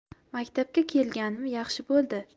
maktabga kelganim yaxshi bo'ldi